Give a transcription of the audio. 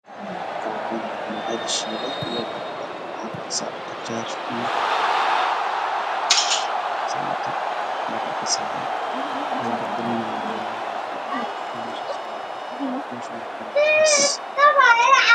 Waa saxan waxaa ku jira hilib doora iyo qudaar